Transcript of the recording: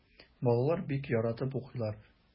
Балалар бик яратып укыйлар.